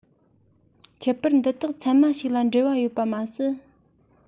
ཁྱད པར འདི དག མཚན མ ཞིག ལ འབྲེལ བ ཡོད པ མ ཟད